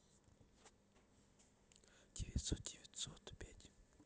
девятьсот девяносто пять